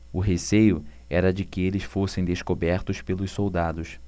o receio era de que eles fossem descobertos pelos soldados